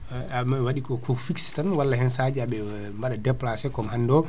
waɗi ko fixe tan walla hen sahaji heeɓe baaɗa déplacé comme hande o